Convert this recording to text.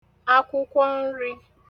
akwụkwọ nrī